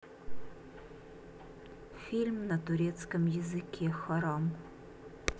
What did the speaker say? фильм на турецком языке харам